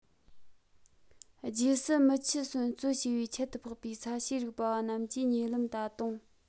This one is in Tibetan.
རྗེ སི མོ ཆི སོན གཙོ བྱས པའི ཁྱད དུ འཕགས པའི ས གཤིས རིག པ བ རྣམས ཀྱིས ཉེ ལམ ད དུང